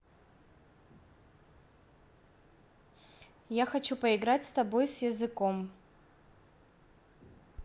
я хочу поиграть с тобой с языком